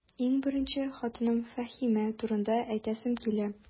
Иң беренче, хатыным Фәһимә турында әйтәсем килә.